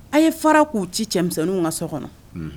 A ye fara k'u ci cɛmisɛnninw ka so kɔnɔ